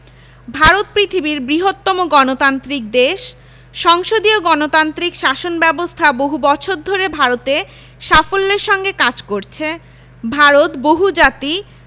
ভারত পৃথিবীর বৃহত্তম গণতান্ত্রিক দেশ সংসদীয় গণতান্ত্রিক শাসন ব্যাবস্থা বহু বছর ধরে ভারতে সাফল্যের সঙ্গে কাজ করছে ভারত বহুজাতি